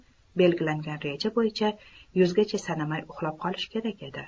belgilangan reja bo'yicha yuzgacha sanamay uxlab qolishi kerak edi